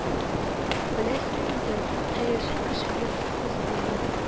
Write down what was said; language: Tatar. Беләсең инде, хәерче кеше ертыксыз булмый